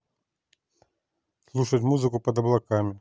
слушать музыку под облаками